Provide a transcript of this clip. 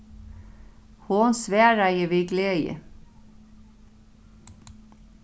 hon svaraði við gleði